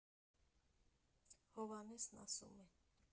Հովհաննեսն ասում է.